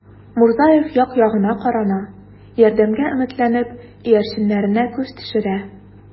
Мурзаев як-ягына карана, ярдәмгә өметләнеп, иярченнәренә күз төшерә.